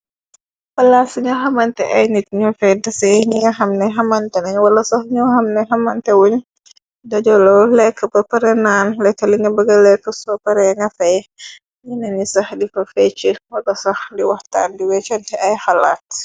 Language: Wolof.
Palaase ci ñu xamante ay nit ñuoy fay dase , ñi nga xam ne xamante nañu wala sox ño xamne xamante wuñ , dajoloo lekk ba përenaan , lekka li nga bëga lekk soo pare nga fey, ñi na ni sax difa feyci mota sox di waxtaan di weecante ay xalaat.